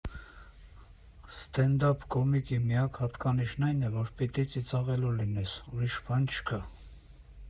Ստենդափ կոմիկի միակ հատկանիշն այն է, որ պիտի ծիծաղալու լինես, ուրիշ բան չկա։